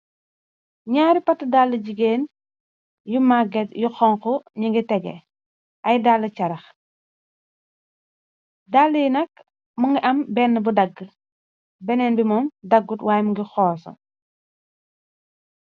ñaari pat dall jigéen yu magget yu xonk ñi ngi tege ay dall carax dall yi nak mu nga am benn bu dagg benneen bi moom daggut waay mu ngi xoosa